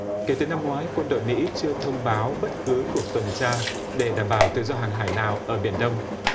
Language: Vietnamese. kể từ năm ngoái quân đội mỹ chưa thông báo bất cứ cuộc tuần tra để đảm bảo tự do hàng hải nào ở biển đông